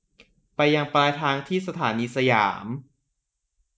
ไปยังปลายทางที่สถานีสยาม